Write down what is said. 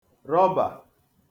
rọbà